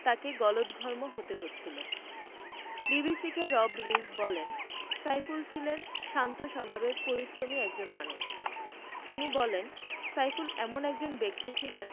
তাঁকে গলদঘর্ম হতে হচ্ছিল বিবিসিকে রব রিজ বলেন সাইফুল ছিলেন শান্ত স্বভাবের পরিশ্রমী একজন মানুষ তিনি বলেন সাইফুল এমন একজন ব্যক্তি ছিলেন